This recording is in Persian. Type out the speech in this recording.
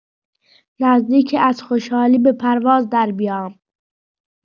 نزدیکه از خوشحالی به پرواز دربیام.